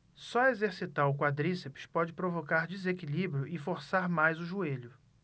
só exercitar o quadríceps pode provocar desequilíbrio e forçar mais o joelho